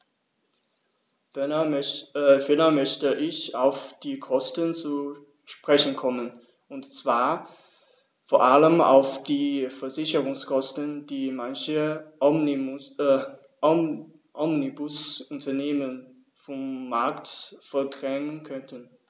Ferner möchte ich auf die Kosten zu sprechen kommen, und zwar vor allem auf die Versicherungskosten, die manche Omnibusunternehmen vom Markt verdrängen könnten.